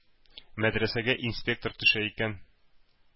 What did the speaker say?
Мәдрәсәгә инспектор төшә икән,